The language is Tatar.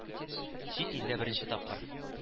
Чит илдә беренче тапкыр